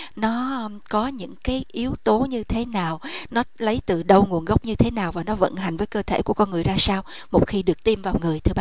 nó có những cái yếu tố như thế nào nó lấy từ đâu nguồn gốc như thế nào và nó vận hành với cơ thể của con người ra sao một khi được tiêm vào người thưa